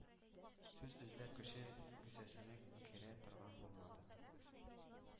Сүз эзләп кеше кесәсенә керә торган булмады.